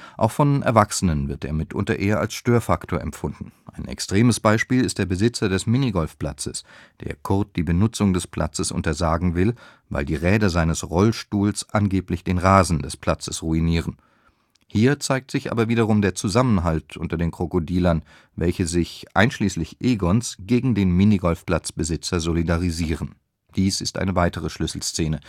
Auch von Erwachsenen wird er mitunter eher als Störfaktor empfunden; ein extremes Beispiel ist der Besitzer des Minigolfplatzes, der Kurt die Benutzung des Platzes untersagen will, weil die Räder seines Rollstuhls angeblich den Rasen des Platzes ruinieren. Hier zeigt sich aber wiederum der Zusammenhalt unter den Krokodilern, welche sich – einschließlich Egons! – gegen den Minigolfplatzbesitzer solidarisieren. Dies ist eine weitere Schlüsselszene